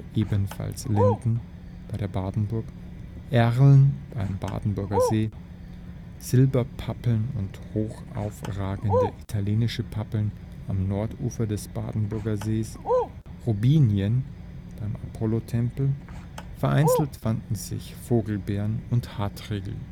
ebenfalls Linden (bei der Badenburg), Erlen (am Badenburger See), Silberpappeln und hochaufragende italienische Pappeln (am Nordufer des Badenburger Sees), Robinien (beim Apollotempel). Vereinzelt fanden sich Vogelbeeren und Hartriegel